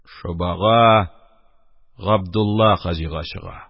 Шобага Габдулла хаҗига чыга.